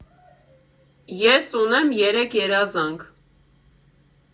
Ես ունեմ երեք երազանք.